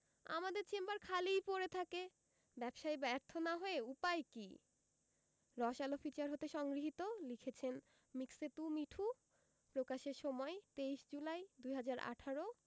আমাদের চেম্বার খালিই পড়ে থাকে ব্যবসায় ব্যর্থ না হয়ে উপায় কী রসআলো ফিচার হতে সংগৃহীত লিখেছেনঃ মিকসেতু মিঠু প্রকাশের সময়ঃ ২৩ জুলাই ২০১৮